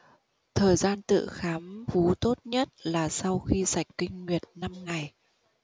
thời gian tự khám vú tốt nhất là sau khi sạch kinh nguyệt năm ngày